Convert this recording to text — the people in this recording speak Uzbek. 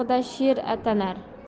qirqida sher atanar